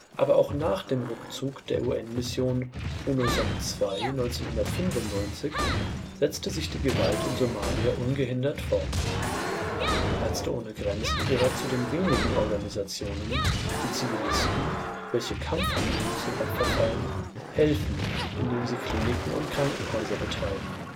Aber auch nach dem Rückzug der UN-Mission UNOSOM II (1995) setzte sich die Gewalt in Somalia ungehindert fort, und Ärzte ohne Grenzen gehört zu den wenigen Organisationen, die Zivilisten, welche Kampfhandlungen zum Opfer fallen, helfen, indem sie Kliniken und Krankenhäuser betreiben